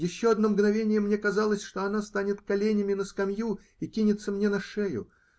еще одно мгновение мне казалось, что она станет коленями на скамью и кинется мне на шею.